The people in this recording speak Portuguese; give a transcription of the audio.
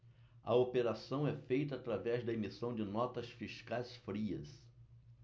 a operação é feita através da emissão de notas fiscais frias